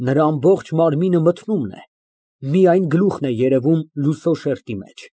Նրա ամբողջ մարմինը մթնումն է, միայն գլուխն է երևում լուսո շերտի մեջ։